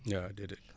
waa déedéet